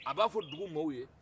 a b'a fɔ dugu maaw ye